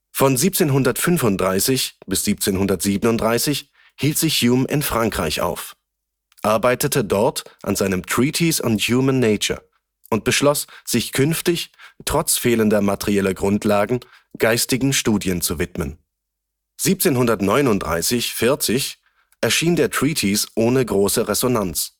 Von 1735 bis 1737 hielt sich Hume in Frankreich auf, arbeitete dort an seinem Treatise on human nature und beschloss, sich künftig - trotz fehlender materieller Grundlagen - geistigen Studien zu widmen. 1739/40 erschien der Treatise ohne große Resonanz